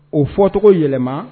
K'o fɔ cɔgɔ yɛlɛma